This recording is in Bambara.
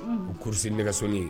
U kurusi nɛgɛsonin ye